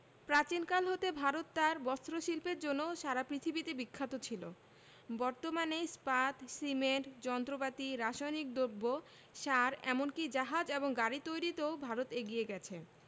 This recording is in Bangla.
প্রাচীনকাল হতে ভারত তার বস্ত্রশিল্পের জন্য সারা পৃথিবীতে বিখ্যাত ছিল বর্তমানে ইস্পাত সিমেন্ট যন্ত্রপাতি রাসায়নিক দ্রব্য সার এমন কি জাহাজ ও গাড়ি তৈরিতেও ভারত এগিয়ে গেছে